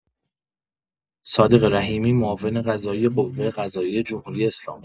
صادق رحیمی، معاون قضایی قوه‌قضاییه جمهوری‌اسلامی